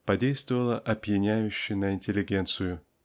подействовала опьяняюще на интеллигенцию.